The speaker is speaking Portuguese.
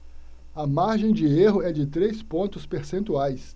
a margem de erro é de três pontos percentuais